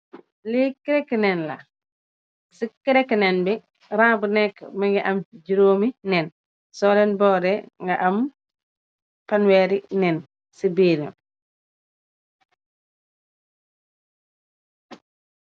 Li krèki nen la, ci krèki nen bi rang bu nekka mugi am jurom mi nen, so len boléh nga fanweri nen ci biram ram.